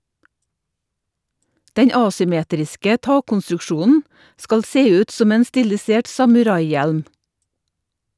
Den asymmetriske takkonstruksjonen skal se ut som en stilisert samuraihjelm.